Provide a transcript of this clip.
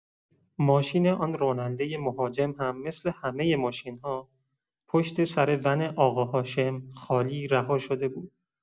ماشین آن راننده مهاجم هم مثل همه ماشین‌ها پشت‌سر ون آقا هاشم، خالی رها شده بود.